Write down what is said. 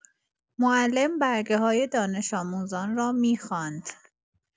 معلم برگه‌های دانش آموزان را می‌خواند